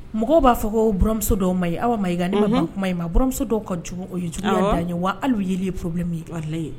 Mɔgɔw b'a fɔ kouramuso dɔw ma ye aw makaani kuma ye mamuso dɔw ka ye dan ye wa hali yelen ye porobi min yela ye